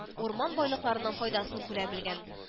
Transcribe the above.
Урман байлыкларының файдасын күрә белгән